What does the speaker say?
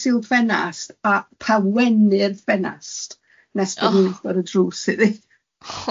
silff ffenast, a pawennu y ffenast nes bod ni'n agor ar y drws iddi.